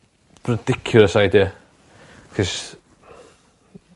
ridiculous idea 'chos